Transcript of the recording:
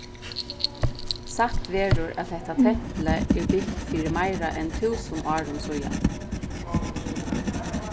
sagt verður at hetta templið er bygt fyri meira enn túsund árum síðani